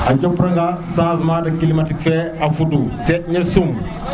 a jop ranga changement de climatique fe a fudu seeƴ ne sum